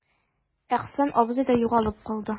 Әхсән абзый да югалып калды.